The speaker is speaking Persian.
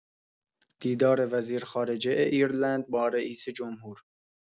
دیدار وزیر خارجه ایرلند با رئیس‌جمهور